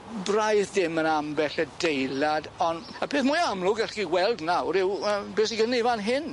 Braidd ddim yn ambell adeilad on' y peth mwy amlwg allwch chi weld nawr yw yym be' sy gen ni fan hyn.